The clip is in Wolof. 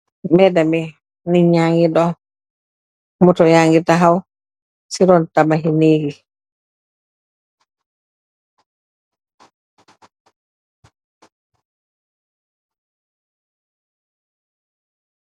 Mbedami, nit ña ngi dox, moto yangi taxaw ci ron tabaxi nèk yi.